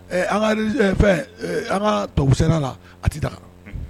An kaz an ka tosɛ la a tɛta